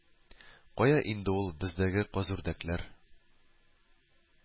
Кая инде ул бездәге казүрдәкләр